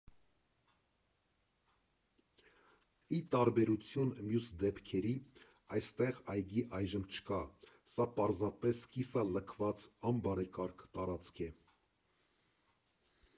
Ի տարբերություն մյուս դեպքերի, այստեղ այգի այժմ չկա, սա պարզապես կիսալքված անբարեկարգ տարածք է։